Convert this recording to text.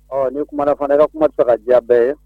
Ɔ n'i kumana fanba i ka kuma tɛ se ka diya bɛɛ ye